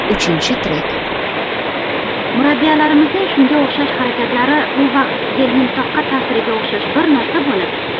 murabbiyalarimizning shunga o'xshash harakatlari u vaqt yelning toqqa tasiriga o'xshash bir narsa bo'lib